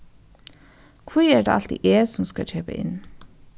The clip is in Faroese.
hví er tað altíð eg sum skal keypa inn